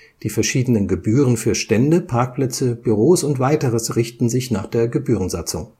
Die verschiedenen Gebühren für Stände, Parkplätze, Büros und weiteres richten sich nach der Gebührensatzung